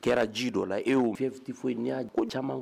Kɛra ji dɔ la e fɛn tɛ foyi n y'a ko caman